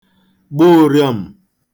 gba ụ̄rịọ̄m̄